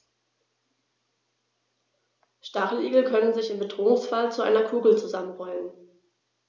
Stacheligel können sich im Bedrohungsfall zu einer Kugel zusammenrollen.